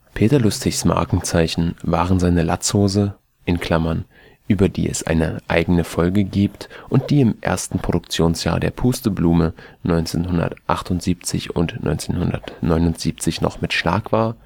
Peter Lustigs Markenzeichen waren seine Latzhose (über die es eine eigene Folge gibt und die im ersten Produktionsjahr der Pusteblume 1978 / 79 noch „ mit Schlag “war